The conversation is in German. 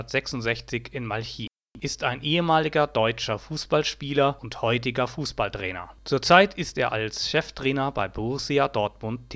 1966 in Malchin) ist ein ehemaliger deutscher Fußballspieler und heutiger Fußballtrainer. Zur Zeit ist er als Cheftrainer bei Borussia Dortmund